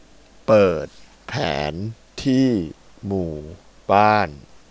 เปิดแผนที่หมู่บ้าน